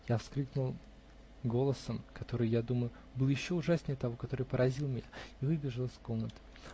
Я вскрикнул голосом, который, я думаю, был еще ужаснее того, который поразил меня, и выбежал из комнаты.